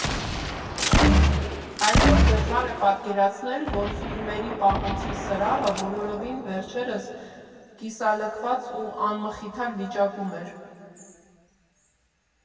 Այսօր դժվար է պատկերացնել, որ ֆիլմերի պահոցի սրահը բոլորովին վերջերս կիսալքված ու անմխիթար վիճակում էր։